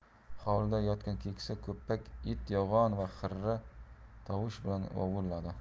hovlida yotgan keksa ko'ppak it yo'g'on va xirri tovush bilan vovulladi